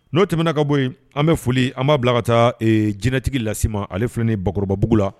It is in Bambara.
N'o tɛmɛna ka bɔ an bɛ foli an b'a bila ka taa jinɛtigi lasi ma ale filɛ bakɔrɔbababugu la